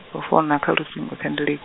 khou founa kha luṱingo thendele-.